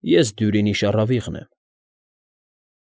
Ես Դյուրինի շառավիղն եմ։ ֊